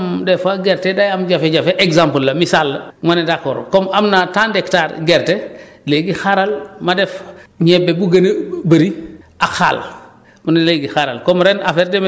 su nekkee da ngay ne comme des fois gerte day am jafe-jafe exemple la misaal la nga ne d' accord comme am naa tant d' hectares gerte léegi xaaral ma def &énebe bu gën a bu bëri ak xaal